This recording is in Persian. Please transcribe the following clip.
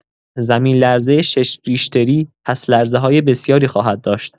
زمین‌لرزه ۶ ریش‌تری پس‌لرزه‌های بسیاری خواهد داشت.